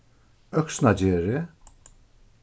øksnagerði